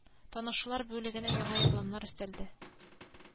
Танышулар бүлегенә яңа игъланнар өстәлде